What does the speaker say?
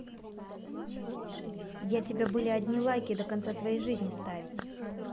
я тебя были один лайки до конца твоей жизни ставить